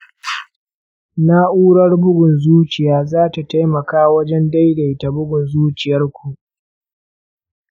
na'urar bugun zuciya za ta taimaka wajen daidaita bugun zuciyar ku.